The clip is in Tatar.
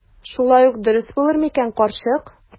Шулай ук дөрес булыр микән, карчык?